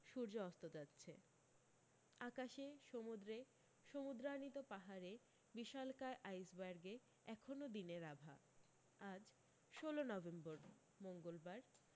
সূর্য অস্ত যাচ্ছে আকাশে সমুদ্রে সমুদ্রানিত পাহাড়ে বিশালকায় আইসবার্গে এখনও দিনের আভা আজ ষোলো নভেম্বর মঙ্গলবার